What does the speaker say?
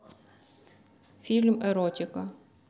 фильм эротика